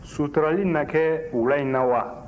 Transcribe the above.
sutarali na kɛ wula in na wa